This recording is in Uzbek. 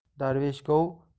darvesh gov hangu